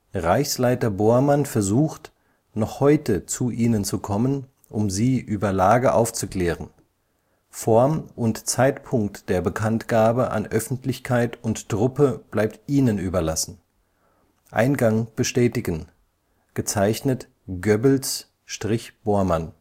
Reichsleiter Bormann versucht, noch heute zu Ihnen zu kommen, um Sie über Lage aufzuklären. Form und Zeitpunkt der Bekanntgabe an Öffentlichkeit und Truppe bleibt Ihnen überlassen. Eingang bestätigen. gez.: Goebbels – Bormann